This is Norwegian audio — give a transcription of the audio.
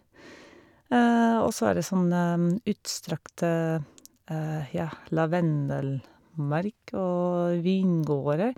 Og så er det sånne utstrakte, ja, lavendelmark og vingårder.